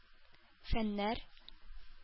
Фәннәр